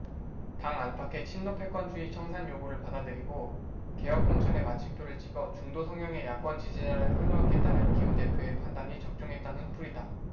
당 안팎의 친노패권주의 청산 요구를 받아들이고 개혁공천의 마침표를 찍어 중도성향의 야권 지지자를 끌어안겠다는 김 대표의 판단이 작용했다는 풀이다